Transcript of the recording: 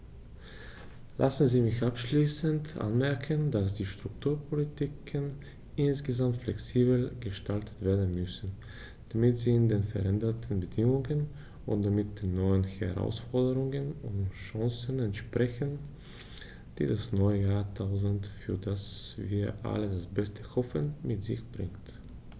Lassen Sie mich abschließend anmerken, dass die Strukturpolitiken insgesamt flexibler gestaltet werden müssen, damit sie den veränderten Bedingungen und damit den neuen Herausforderungen und Chancen entsprechen, die das neue Jahrtausend, für das wir alle das Beste hoffen, mit sich bringt.